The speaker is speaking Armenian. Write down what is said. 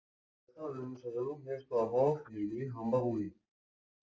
Հայաստանը նրանց շրջանում հեշտ ու ապահով երկրի համբավ ունի։